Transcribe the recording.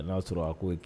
Ɛ n'a y'a sɔrɔ a ko ye k